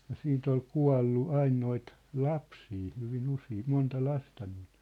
ja siitä oli kuollut aina noita lapsia hyvin usein monta lasta niillä